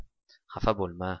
xafa bo'lma